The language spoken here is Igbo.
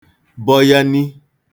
bọyani